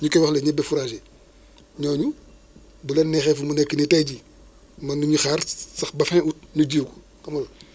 ñu koy wax le ñebe fourager ñooñu bu leen neexee fi mu nekk nii tey jii mën nañu xaar sax ba fin ut ñu jiw xam nga